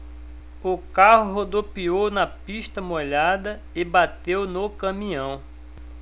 o carro rodopiou na pista molhada e bateu no caminhão